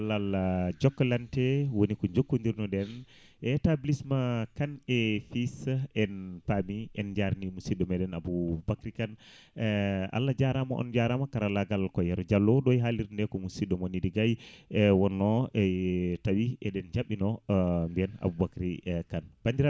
* fawade e rawane no yarini kaadi hikka dañi ko telɓini e golle moɗon mbar oɗon keblani fo faye arde ko yenna saababu teskade ene wayno rawane ndeya binoɗon ko toɓoli wonno bayi ha addi ko heɓɓanoko ko ɗum tan adda